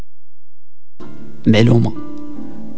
معلومه